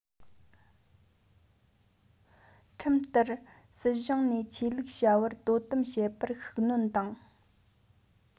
ཁྲིམས ལྟར སྲིད གཞུང ནས ཆོས ལུགས བྱ བར དོ དམ བྱེད པར ཤུགས སྣོན དང